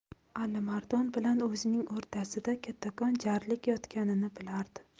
alimardon bilan o'zining o'rtasida kattakon jarlik yotganini bilardi